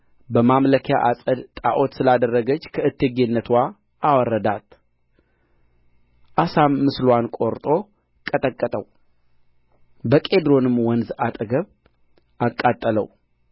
በማምለኪያ ዐፀድ ጣዖት ስላደረገች ከእቴጌነትዋ አዋረዳት አሳም ምስልዋን ቈርጦ ቀጠቀጠው በቄድሮንም ወንዝ አጠገብ አቃጠለው